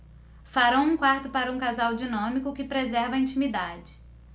farão um quarto para um casal dinâmico que preserva a intimidade